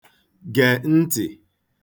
gè ntị̀